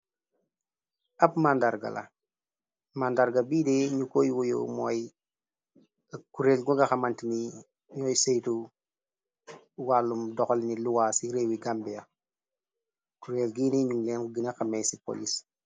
ab màndarga la màndarga biide ñu koy woyoo mooyurexmant ni ñooy saytu wàllum doxal ni luwia ci réew yi cambier kureel gini ñum leen gëna xamey ci polis